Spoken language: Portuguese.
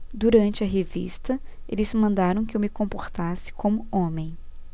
durante a revista eles mandaram que eu me comportasse como homem